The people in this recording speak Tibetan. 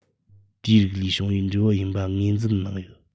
དེའི རིགས ལས བྱུང བའི འབྲས བུ ཡིན པ ངོས འཛིན གནང ཡོད